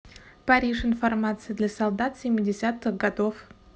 париж информация для солдат семидесятых годов